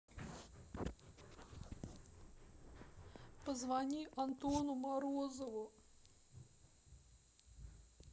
позвони антону морозову